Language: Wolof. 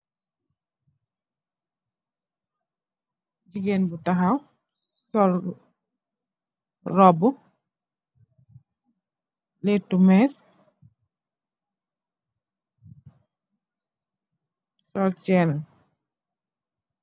Gigeen bu taxaw sol robu lèttu més, sol cèèn.